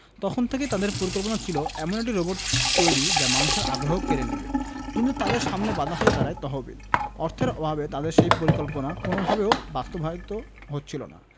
তখন থেকেই তাদের পরিকল্পনা ছিল এমন একটি রোবট তৈরির যা মানুষের আগ্রহ কেড়ে নেবে কিন্তু তাদের সামনে বাধা হয়ে দাঁড়ায় তহবিল অর্থের অভাবে তাদের সেই পরিকল্পনা কোনওভাবেই বাস্তবায়িত হচ্ছিল না